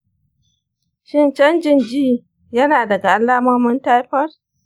shin canjin ji yana daga alamomin taifoid?